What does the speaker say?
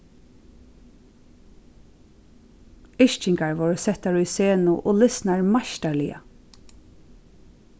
yrkingar vóru settar í senu og lisnar meistarliga